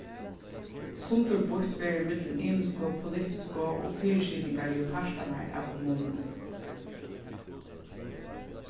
sundurbýtt verður millum ymisku politisku og fyrisitingarligu partarnar av kommununi